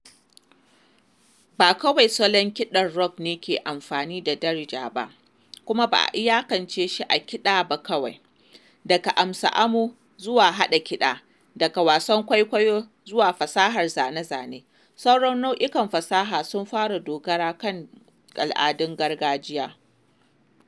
Ba kawai salon kiɗan rock ne ke amfani da Darija ba, kuma ba a iyakance shi a kiɗa ba kawai: daga amsa amo zuwa haɗa kiɗa, daga wasan kwaikwayo zuwa fasahar zane-zane, sauran nau'ikan fasaha sun fara dogara akan al'adun gargajiya ma.